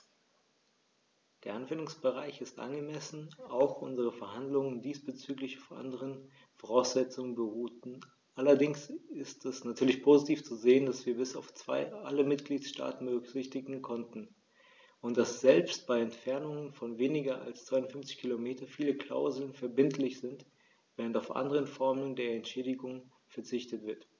Der Anwendungsbereich ist angemessen, auch wenn unsere Verhandlungen diesbezüglich auf anderen Voraussetzungen beruhten, allerdings ist es natürlich positiv zu sehen, dass wir bis auf zwei alle Mitgliedstaaten berücksichtigen konnten, und dass selbst bei Entfernungen von weniger als 250 km viele Klauseln verbindlich sind, während auf andere Formen der Entschädigung verzichtet wird.